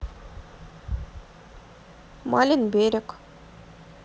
малин берег